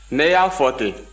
ne y'a fɔ ten